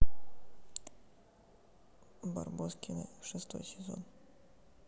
барбоскины шестой сезон